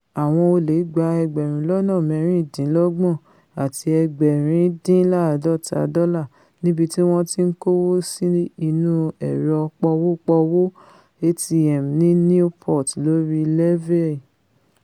Àwọn olè gba ẹgbẹ́rùn lọ́nà mẹ́rìndínlọ́gbọ̀n àti ẹgbẹ̀rindíńlá́àádọ́ta dọ́là níbití wọ́n ti ńkówósí inú ẹ̀rọ pọwọ́-pọwọ́ ATM ní Newport lórí Levee